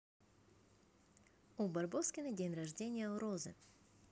у барбоскины день рождения у розы